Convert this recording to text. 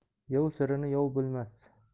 yov sirini yov bilmas